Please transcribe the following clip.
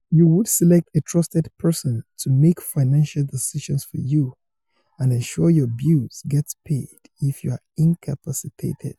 You would select a trusted person to make financial decisions for you and ensure your bills get paid if you're incapacitated.